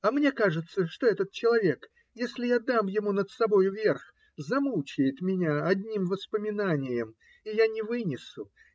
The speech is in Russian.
А мне кажется, что этот человек, если я дам ему над собою верх, замучает меня одним воспоминанием. И я не вынесу.